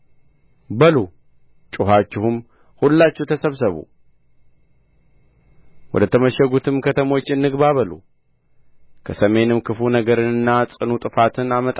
በሉ ጮኻችሁም ሁላችሁ ተሰብሰቡ ወደ ተመሸጉትም ከተሞች እንግባ በሉ ከሰሜን ክፉ ነገርንና ጽኑ ጥፋትን አመጣለሁና ወደ ጽዮን ዓላማን